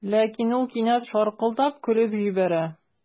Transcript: Ләкин ул кинәт шаркылдап көлеп җибәрә.